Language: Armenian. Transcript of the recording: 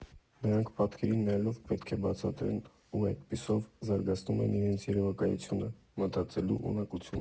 Նրանք պատկերին նայելով պետք է բացատրեն ու այդպիսով զարգացնում են իրենց երևակայությունը, մտածելու ունակությունը։